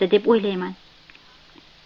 deb o'ylayman